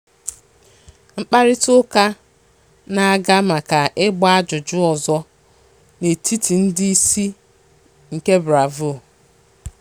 Mkparịta ụka na-aga maka ịgba ajụjụ ọzọ n'etiti ndị isi nke BRAVO!